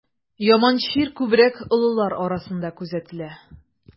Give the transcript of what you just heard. Яман чир күбрәк олылар арасында күзәтелә.